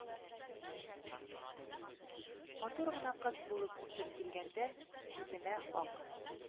– матур гына кыз булып үсеп килгәндә, күземә ак